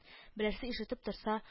—берәрсе ишетеп торса